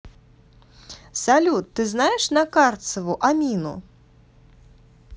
салют ты знаешь на карцеву амину